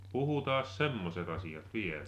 no puhutaanpas semmoiset asiat vielä